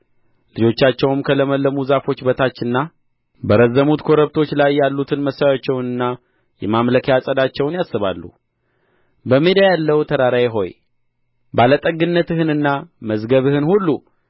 ልጆቻቸውም ከለመለሙ ዛፎች በታችና በረዘሙት ኮረብቶች ላይ ያሉትን መሠዊያቸውንና የማምለኪያ ዐፀዳቸውን ያስባሉ በሜዳ ያለው ተራራዬ ሆይ ባለጠግነትህንና መዝገብህን ሁሉ